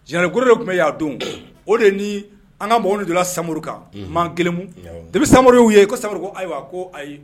Jinɛkolo de tun bɛ' don o de ni an ka m donnala samuru kan man kelenmu debi sa ye ko ko ayiwa ko ayi